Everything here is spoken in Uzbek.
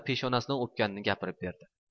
peshonasidan o'pganini gapirib berdi